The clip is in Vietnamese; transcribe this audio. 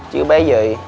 chứ bé gì